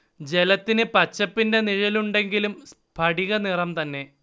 ജലത്തിന് പച്ചപ്പിന്റെ നിഴലുണ്ടെങ്കിലും സ്ഫടിക നിറം തന്നെ